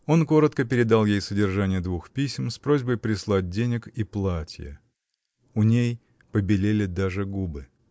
Он коротко передал ей содержание двух писем с просьбой прислать денег и платье. У ней побелели даже губы.